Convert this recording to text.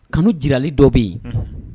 Kanu jirali dɔ bɛ yen